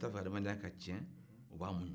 u t'a fɛ adamadenya ka tiɲɛ u b'a muɲu